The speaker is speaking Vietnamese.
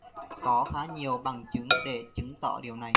có khá nhiều bằng chứng để chứng tỏ điều này